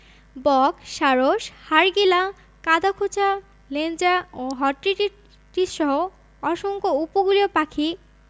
বক সারস হাড়গিলা কাদা খোঁচা লেনজা ও হট্টিটিসহ অসংখ্য উপকূলীয় পাখি